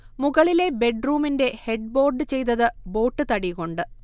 മുകളിലെ ബെഡ്റൂമിന്റെ ഹെഡ്ബോർഡ് ചെയ്തത് ബോട്ട്തടി കൊണ്ട്